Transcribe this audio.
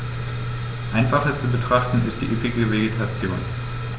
Einfacher zu betrachten ist die üppige Vegetation.